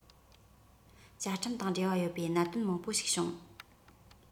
བཅའ ཁྲིམས དང འབྲེལ བ ཡོད པའི གནད དོན མང པོ ཞིག བྱུང